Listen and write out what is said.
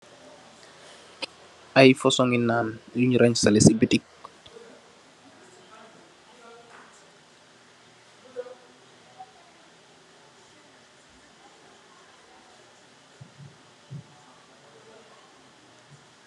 Ay fasong ngi ñaan buñg ranksale si bitik.